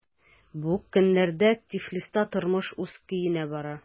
Бу көннәрдә Тифлиста тормыш үз көенә бара.